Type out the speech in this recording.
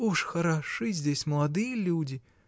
— Уж хороши здесь молодые люди!